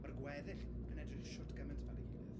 Mae'r gweddill yn edrych shwt gymaint fel ei gilydd.